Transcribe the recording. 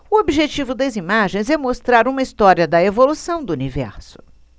o objetivo das imagens é mostrar uma história da evolução do universo